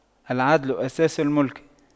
العدل أساس الْمُلْك